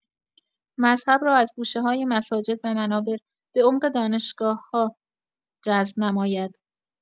مذهب را از گوشه‌های مساجد و منابر به عمق دانشگاه‌‌ها جذب نماید.